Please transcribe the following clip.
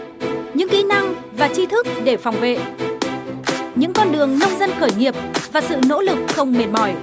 những kỹ năng và tri thức để phòng vệ những con đường nông dân khởi nghiệp và sự nỗ lực không mệt mỏi